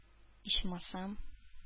Ичмасам